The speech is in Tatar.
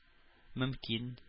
Мөмкин